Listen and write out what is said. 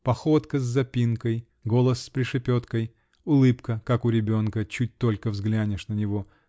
походочка с запинкой, голос с пришепеткой, улыбка, как у ребенка, чуть только взглянешь на него.